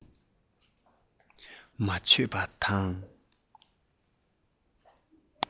མ ཆོད པ དང